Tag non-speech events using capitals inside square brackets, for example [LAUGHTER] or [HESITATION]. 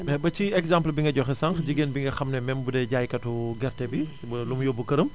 mais ba ci exemple bi nga joxe sànq jigéen bi nga xam ne même bu dee jaaykatu [HESITATION] gerte bi ba lu mu yóbbu këram